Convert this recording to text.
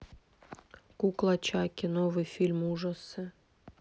кукла чаки новый фильм ужасы